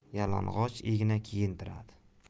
yalang'och igna kiyintiradi